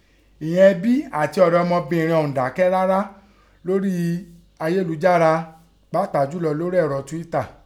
Ighọn ebí àti ọ̀rẹ́ ọmọbìrin ọ̀ún ùn dákẹ́ rárá lórí ayélujára pàápàá jùlọ lórí ẹ̀rọ Twitter.